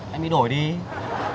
em đi đổi đi